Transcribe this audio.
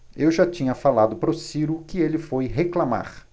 eu já tinha falado pro ciro que ele foi reclamar